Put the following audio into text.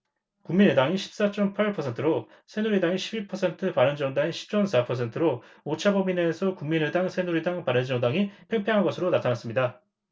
국민의당이 십 사 쩜 팔 퍼센트로 새누리당이 십 이 퍼센트 바른정당이 십 쩜 사 퍼센트로 오차범위 내에서 국민의당 새누리당 바른정당이 팽팽한 것으로 나타났습니다